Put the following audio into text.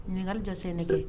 Ɲininkali jɔ se nɛgɛ